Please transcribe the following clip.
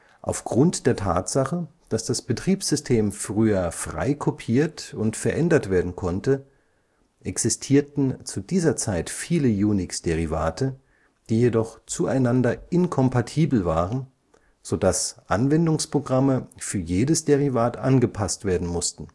Aufgrund der Tatsache, dass das Betriebssystem früher frei kopiert und verändert werden konnte, existierten zu dieser Zeit viele Unix-Derivate, die jedoch zueinander inkompatibel waren, sodass Anwendungsprogramme für jedes Derivat angepasst werden mussten